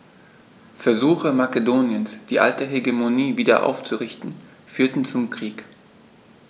Versuche Makedoniens, die alte Hegemonie wieder aufzurichten, führten zum Krieg.